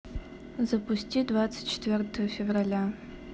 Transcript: запусти двадцать четвертое февраля